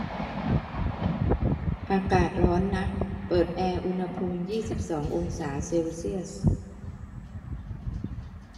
อากาศร้อนนะเปิดแอร์อุณหภูมิยี่สิบสององศาเซลเซียส